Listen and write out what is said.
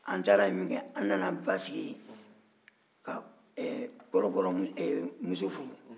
an taara ye min kɛ an nana basigi yen ka kɔrɔbɔrɔ muso furu